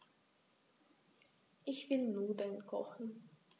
Ich will Nudeln kochen.